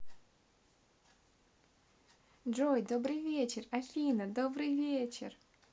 джой добрый вечер афина добрый вечер